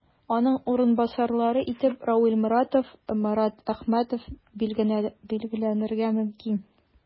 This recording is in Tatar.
Аның урынбасарлары итеп Равил Моратов, Марат Әхмәтов билгеләнергә мөмкин.